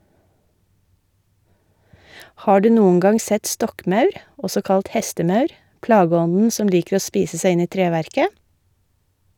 Har du noen gang sett stokkmaur, også kalt hestemaur, plageånden som liker å spise seg inn i treverket?